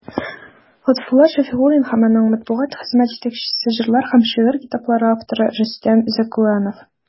Лотфулла Шәфигуллин һәм аның матбугат хезмәте җитәкчесе, җырлар һәм шигырь китаплары авторы Рөстәм Зәкуанов.